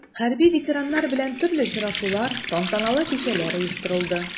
Хәрби ветераннар белән төрле очрашулар, тантаналы кичәләр оештырылды.